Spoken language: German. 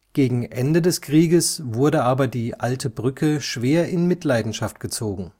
Gegen Ende des Krieges wurde aber die Alte Brücke schwer in Mitleidenschaft gezogen